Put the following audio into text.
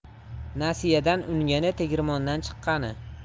nasiyadan ungani tegirmondan chiqqani